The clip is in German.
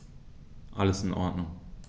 Alles in Ordnung.